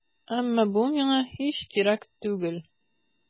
Әмма бу миңа һич кирәк түгел.